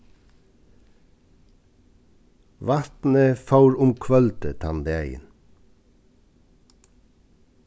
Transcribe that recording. vatnið fór um kvøldið tann dagin